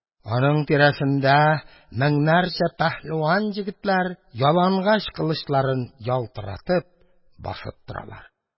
Аның тирәсендә меңнәрчә пәһлеван егетләр ялангач кылычларын ялтыратып басып торалар.